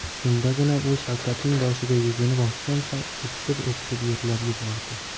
shundagina u shavkatning boshiga yuzini bosgancha o'ksib o'ksib yigl'ab yubordi